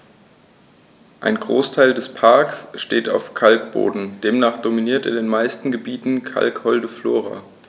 Ein Großteil des Parks steht auf Kalkboden, demnach dominiert in den meisten Gebieten kalkholde Flora.